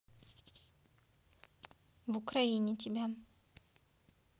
в украине тебя